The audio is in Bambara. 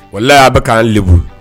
Wala y'a bɛ kan lebu